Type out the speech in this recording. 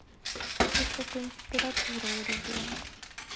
высокая температура у ребенка